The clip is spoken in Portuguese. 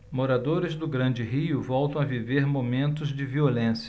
moradores do grande rio voltam a viver momentos de violência